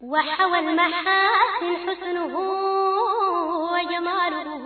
Wa wamudu